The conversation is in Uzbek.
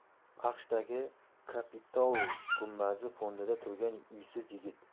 aqshdagi kapitoliy gumbazi fonida turgan uysiz yigit